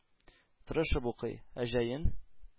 Тырышып укый. Ә җәен